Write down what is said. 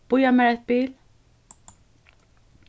bíða mær eitt bil